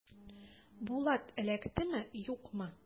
Булат эләктеме, юкмы?